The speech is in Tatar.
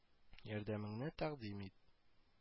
Ярдәмеңне тәкъдим ит